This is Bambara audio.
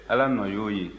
ala ɲɔ ye o ye